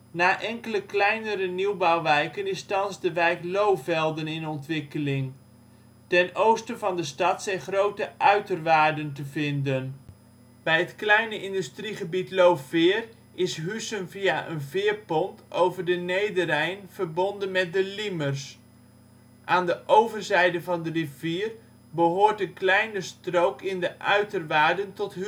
Na enkele kleinere nieuwbouwwijken is thans de wijk Loovelden in ontwikkeling. Ten oosten van de stad zijn grote uiterwaarden te vinden. Bij het kleine industriegebied Looveer is Huissen via een veerpont over de Nederrijn verbonden met de Liemers. Aan de overzijde van de rivier behoort een kleine strook in de uiterwaarden tot